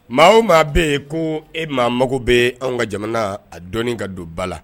Maa o maa bɛ yen ko e maa mago bɛ anw ka jamana a dɔɔnin ka don ba la